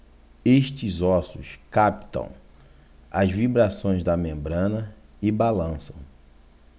estes ossos captam as vibrações da membrana e balançam